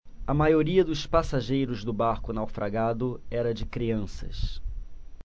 a maioria dos passageiros do barco naufragado era de crianças